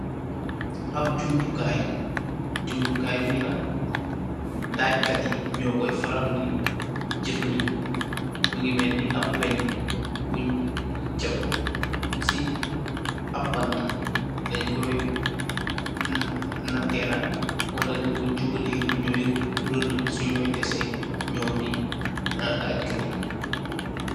Ahb jumtukaay, jumtukaay bii nak daaj kat yii njur koi faral di jeufandehkor, mungy melni ahb weungh bungh chepu cii ahb bantu, dengh koi nateh nak wala dikor juboleh lu njoi rehdeh su njoi dehseh njom